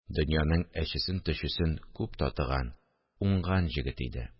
– дөньяның әчесен-төчесен күп татыган, уңган җегет иде